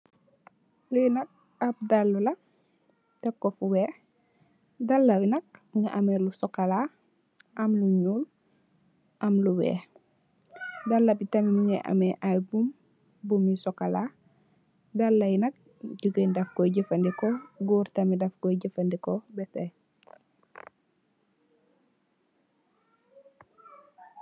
Li nak ap daala lu nyu tek ko fu weex daala bi nak mongi ame lu cxocola am lu nuul am lu weex daal bi tam mogi am ay bopp boop yu chocola daal yi nak jigeen daf koi jefendeko goor tamit daf koi jefendeko.